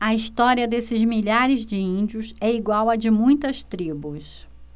a história desses milhares de índios é igual à de muitas tribos